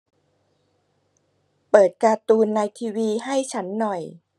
เปิดการ์ตูนในทีวีให้ฉันหน่อย